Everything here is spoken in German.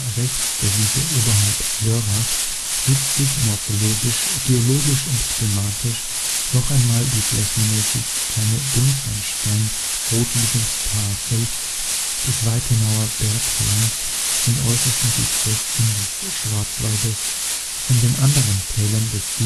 rechts der Wiese oberhalb Lörrachs hebt sich morphologisch, geologisch und klimatisch noch einmal die flächenmäßig kleine Buntsandstein-Rotliegend-Tafel des Weitenauer Berglandes im äußersten Südwesten des Schwarzwaldes von den anderen Teilen des